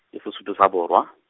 ke Sesotho sa Borwa.